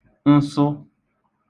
nsụ